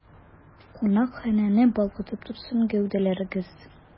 Кунакханәне балкытып торсын гәүдәләрегез!